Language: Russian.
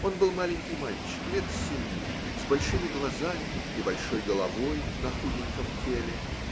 Он был маленький мальчик лет семи, с большими глазами и большой головой на худеньком теле.